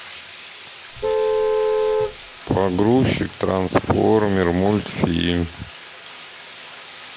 погрузчик трансформер мультфильм